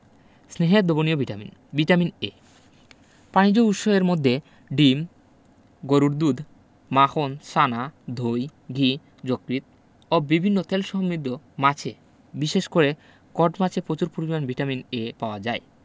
স্নেহে দ্রবণীয় vitamin vitamin A প্রাণিজ উৎসের মধ্যে ডিম গরুর দুধ মাখন ছানা দই ঘি যকৃৎ ও বিভিন্ন তেলসমৃদ্ধ মাছে বিশেষ করে কড মাছে প্রচুর পরিমান ভিটামিন A পাওয়া যায়